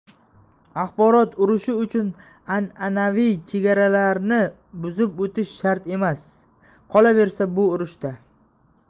axborot urushi uchun an anaviy chegaralarni buzib o'tish shart emas qolaversa bu urushda